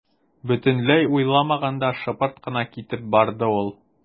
Бөтенләй уйламаганда шыпырт кына китеп барды ул.